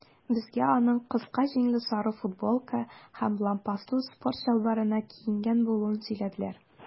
Безгә аның кыска җиңле сары футболка һәм лампаслы спорт чалбарына киенгән булуын әйттеләр.